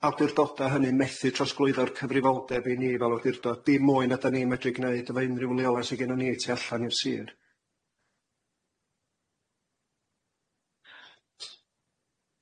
awdurdoda hynny'n methu trosglwyddo'r cyfrifoldeb i ni fel awdurdod dim mwy na 'dan ni'n medru gneud efo unrhyw leoliad sy' gennyn ni tu allan i'r sir.